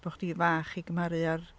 bod chdi'n fach i gymharu â'r...